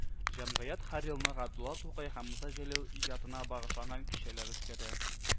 Җәмгыять һәр елны Габдулла Тукай һәм Муса Җәлил иҗатына багышланган кичәләр үткәрә